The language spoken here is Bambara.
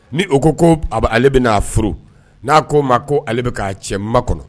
Ni u ko ko a ale bɛ'a furu n'a ko ma ko ale bɛ k'a cɛ ma kɔnɔ